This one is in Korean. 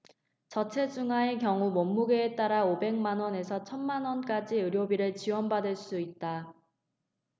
저체중아의 경우 몸무게에 따라 오백 만원에서 천 만원까지 의료비를 지원받을 수 있다